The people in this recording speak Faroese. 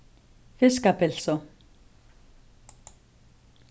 fiskapylsu